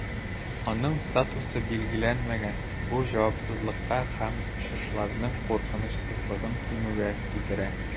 Аның статусы билгеләнмәгән, бу җавапсызлыкка һәм очышларның куркынычсызлыгын кимүгә китерә.